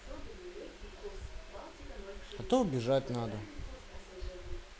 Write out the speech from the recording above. а то убежать надо